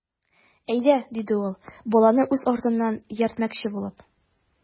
Әйдә,— диде ул, баланы үз артыннан ияртмөкче булып.